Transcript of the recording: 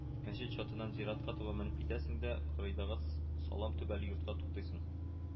Мәчет чатыннан зиратка таба менеп китәсең дә кырыйдагы салам түбәле йортка туктыйсың